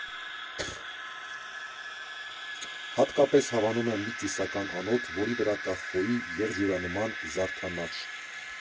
Հատկապես հավանում եմ մի ծիսական անոթ, որի վրա կա խոյի եղջյուրանման զարդանախշ։